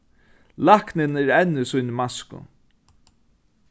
læknin er enn í síni masku